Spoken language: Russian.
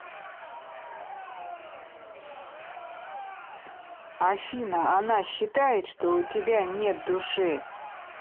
афина она считает что у тебя нет души